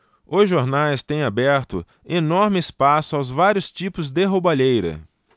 os jornais têm aberto enorme espaço aos vários tipos de roubalheira